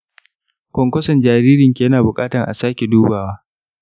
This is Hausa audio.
kwankwason jaririnki yana bukatan asake dubawa.